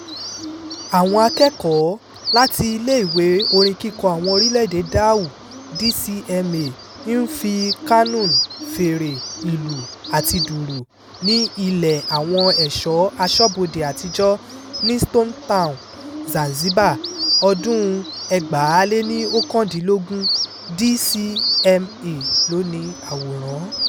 Àwọn akẹ́kọ̀ọ́ láti Iléèwé Orin kíkọ Àwọn Orílẹ̀-èdèe Dhow (DCMA) ń fi qanun, fèrè, ìlù àti dùrù ní Ilé Àwọn Ẹ̀ṣọ́ Aṣọ́bodè Àtijọ́, ní Stone Town, Zanzibar, 2019. DCMA ló ni àwòrán.